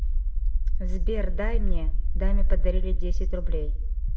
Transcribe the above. сбер дай мне даме подарили десять рублей